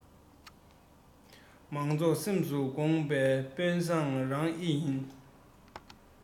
མང ཚོགས སེམས སུ བསྒོམས པའི དཔོན བཟང རང ཨེ ཡིན